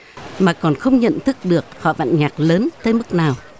mà còn không nhận thức được họ vặn nhạc lớn tới mức nào